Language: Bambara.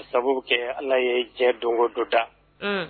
Sabu kɛ ala ye diɲɛ dɔn dɔ da